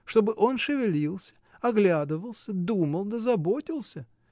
чтобы он шевелился, оглядывался, думал да заботился.